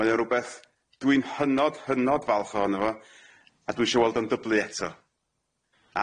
Mae o rwbeth dwi'n hynod hynod falch ohono fo a dwi isho weld o'n dyblu eto.